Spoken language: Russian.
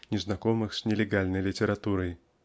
незнакомых с нелегальной литературой.